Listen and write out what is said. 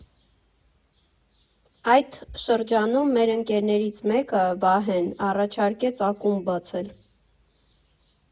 Այդ շրջանում մեր ընկերներից մեկը՝ Վահեն, առաջարկեց ակումբ բացել։